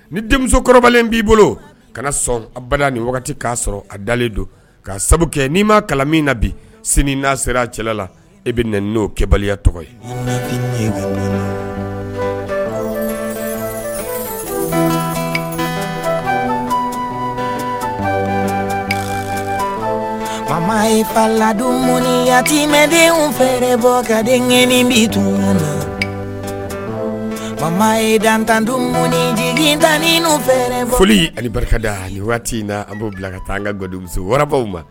Ni denmusobalen b'i bolo kana sɔn ni k'a sɔrɔ a dalen don k kaa sabu kɛ n'i ma kalan min na bi sini n'a sera a cɛla la e bɛ n n'o kɛbali tɔgɔ ye fa ye faladonmden fɛ bɔ kadenini dun fa ye dan tantomtan fɛ foli ale barika da ani n na a b'o bila ka taa an ka ga waw ma